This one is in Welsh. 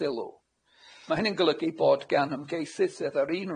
Ma' hynny'n golygu bod gan ymgeisydd sydd yr un raddfa